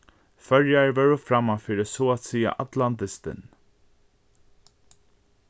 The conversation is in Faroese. føroyar vóru frammanfyri so at siga allan dystin